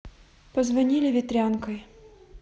позвонили ветрянкой